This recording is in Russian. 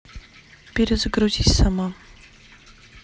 перезагрузись сама